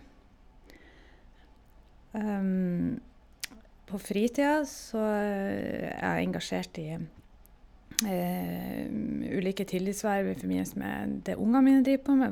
På fritida så er jeg engasjert i ulike tillitsverv i forbindelse med det ungene mine driver på med.